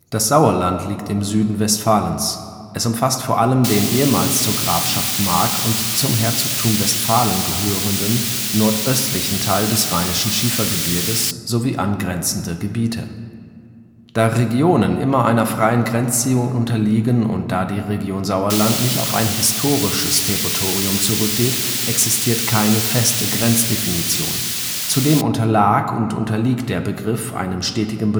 Das Sauerland liegt im Süden Westfalens; es umfasst vor allem den ehemals zur Grafschaft Mark und zum Herzogtum Westfalen gehörenden, nordöstlichen Teil des Rheinischen Schiefergebirges sowie angrenzende Gebiete. Da Regionen immer einer freien Grenzziehung unterliegen und da die Region Sauerland nicht auf ein historisches Territorium zurückgeht, existiert keine feste Grenzdefinition. Zudem unterlag und unterliegt der Begriff einem stetigen